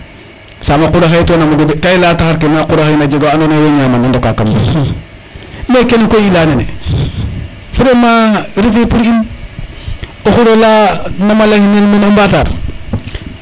saam xa qura xe yit tena mbogu de ka i leaya taxar ke mais xa qura xe a jeaga wa ando naye owey ñaman a ndoka kam fe mais kene koy i leya nene vraiment refe pour in o xura la nama leya xi nel o Mbatar